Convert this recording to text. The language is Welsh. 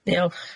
Diolch.